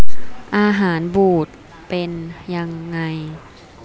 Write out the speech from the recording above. อาหารบูดเป็นยังไง